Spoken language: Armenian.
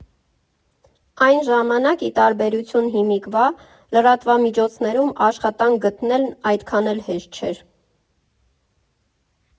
Այն ժամանակ, ի տարբերություն հիմիկվա, լրատվամիջոցներում աշխատանք գտնելն այդքան էլ հեշտ չէր։